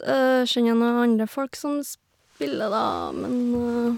Kjenner noen andre folk som spiller, da, men...